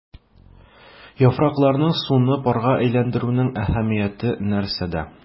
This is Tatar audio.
Яфракларның суны парга әйләндерүнең әһәмияте нәрсәдә?